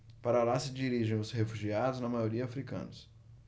para lá se dirigem os refugiados na maioria hútus